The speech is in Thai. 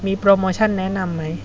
มีโปรโมชั่นแนะนำไหม